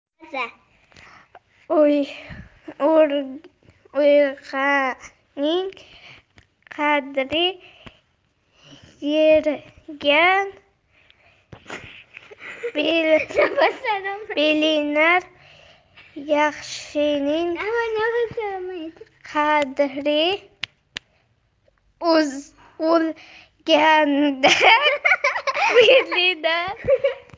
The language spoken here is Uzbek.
yo'rg'aning qadri yelganda bilinar yaxshining qadri o'lganda bilinar